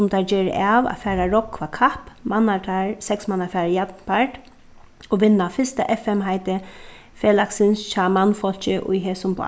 sum teir gera av at fara at rógva kapp mannar teir seksmannafarið jarnbard og vinna fyrsta fm-heitið felagsins hjá mannfólki í hesum